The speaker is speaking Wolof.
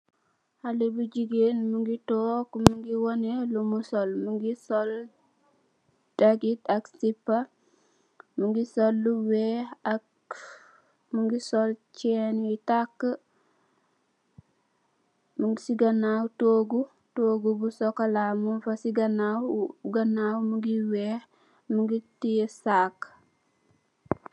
Xale bu jigeen mogi tog mogi woneh lum sol mogi so dagit ak sipa mogi sol lu weex ak mogi sol chain yu taka mung si ganaw togu togu bu chocola mung fa si ganaw ganaw mogi weex mogi teyeh sag.